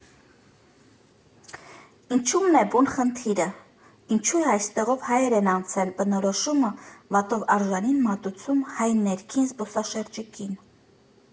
Ինչո՞ւմն է բուն խնդիրը, ինչո՞ւ է «այստեղով հայեր են անցել» բնորոշումը վատով արժանին մատուցում հայ ներքին զբոսաշրջիկին։